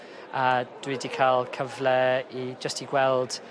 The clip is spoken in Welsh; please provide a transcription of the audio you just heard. A dwi 'di ca'l cyfle i jyst i gweld